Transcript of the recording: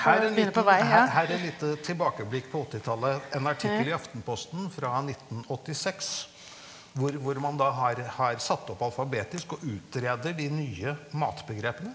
her er en liten her her er et lite tilbakeblikk på åttitallet, en artikkel i Aftenposten fra 1986 hvor hvor man da har har satt opp alfabetisk og utreder de nye matbegrepene.